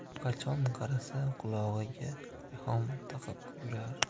u qachon qarasa qulog'iga rayhon taqib yurar